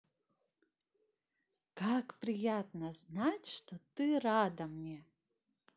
как приятно знать что ты рада мне